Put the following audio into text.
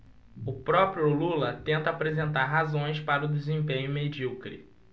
o próprio lula tenta apresentar razões para o desempenho medíocre